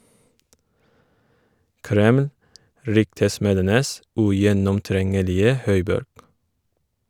Kreml - ryktesmedenes ugjennomtrengelige høyborg.